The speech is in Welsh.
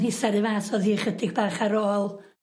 ...hithau 'r un fath o'dd hi ychydig bach ar ôl ...